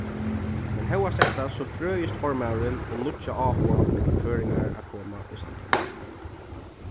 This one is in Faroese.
men hóast hetta so frøist formaðurin um nýggja áhugan millum føroyingar at koma í sandoynna